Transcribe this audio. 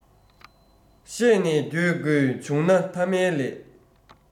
བཤད ནས འགྱོད དགོས བྱུང ན ཐ མའི ལས